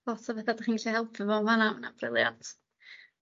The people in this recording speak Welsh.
Wel so fatha 'dach chi'n gallu helpu pobol 'n fan 'na ma' wnna *brilliant.